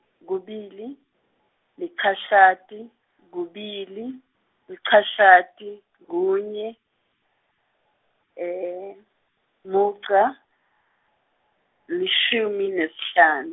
kubili, lichashati, kubili, lichashati , kunye, mugca, lishumi nesihlan-.